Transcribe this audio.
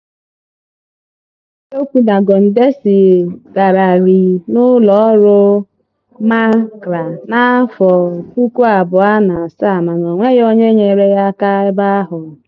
Ọ bụ eziokwu na Kondesi gararịị n'ụlọ ọrụ MACRA n'afọ 2007, mana onweghi onye nyeere ya aka ebe ahụ.